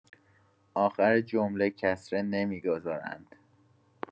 آخر جمله کسره نمی‌گذارند.